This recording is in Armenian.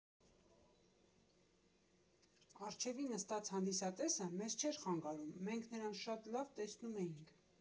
Առջևի նստած հանդիսատեսը մեզ չէր խանգարում, մենք նրան շատ լավ տեսնում էինք։